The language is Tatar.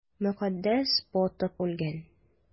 Мөкаддәс батып үлгән!